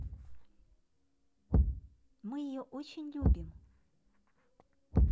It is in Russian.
мы ее очень любим